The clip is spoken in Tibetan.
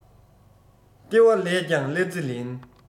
ལྟེ བ ལས ཀྱང གླ རྩི ལེན